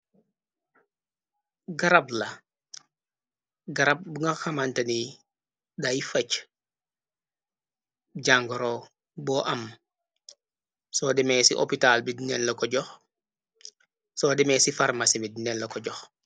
Garabla garab binga xamantani day facc jàngoro boo am c opital bixsoo demee ci farmasé mi dinen la ko jox.